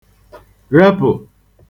repụ̀